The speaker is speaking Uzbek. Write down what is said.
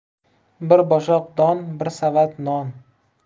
bir boshoq don bir savat non